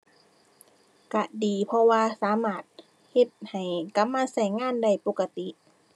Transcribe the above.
ก็ดี เพราะว่าสามารถเฮ็ดให้กลับมาก็งานได้ปกติ